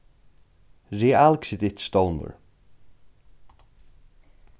realkredittstovnur